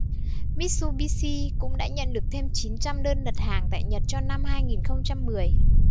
mitsubishi cũng đã nhận được thêm chín trăm đơn đặt hàng tại nhật cho năm hai nghìn không trăm mười